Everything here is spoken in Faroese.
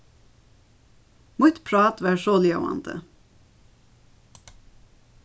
mítt prát var soljóðandi